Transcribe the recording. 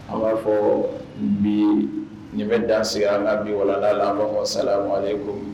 An b'a fɔ bi ye, nin bɛ dan sigi ka bi walanda la an b'a fɔ salam aleykum